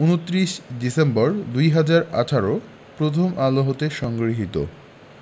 ২৯ ডিসেম্বর ২০১৮ প্রথম আলো হতে সংগৃহীত